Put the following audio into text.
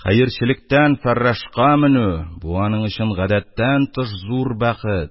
Хәерчелектән фәррашка менү — бу аның өчен гадәттән тыш зур бәхет,